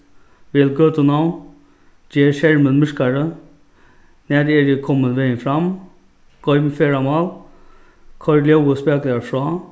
vel gøtunavn ger skermin myrkari nær eri eg komin vegin fram goym ferðamál koyr ljóðið spakuligari frá